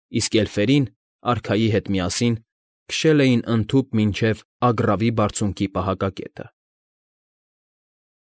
Իսկ էլֆերին, արքայի հետ միասին, քշել էին ընդհուպ մինչև Ագռավի Բարձունքի պահակակետը։